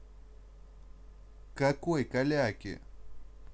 какой каляки